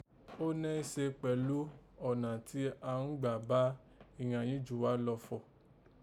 Ó nẹ́ ẹ́ se kpẹ̀lú ọ̀nà tí a ń gbà bá ìghàn yìí jù wá lọ fọ̀